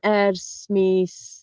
Ers mis...